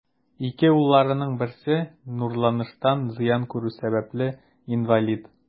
Ике улларының берсе нурланыштан зыян күрү сәбәпле, инвалид.